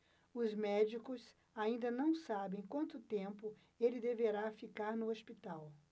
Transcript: os médicos ainda não sabem quanto tempo ele deverá ficar no hospital